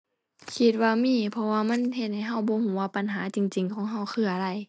คิดว่ามี เพราะว่ามันเฮ็ดให้เราบ่เราว่าปัญหาจริงจริงของเราคืออะไร